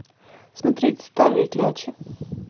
смотреть старые клячи